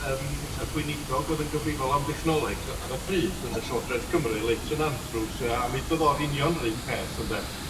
yym y gweinidog o'dd yn gyfrifol am dechnoleg ar y pryd yn y llywodraeth Cymru Leighton Andrews yy a mi edodd o'r union yr un peth ynde